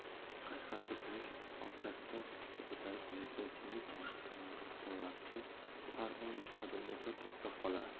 qashqarcha kumush obdasta ko'tarib kelayotgan semiz oftobachi har o'n qadamda bir to'xtab qolardi